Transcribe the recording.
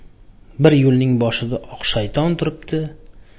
bir yo'lning boshida oq shayton turibdi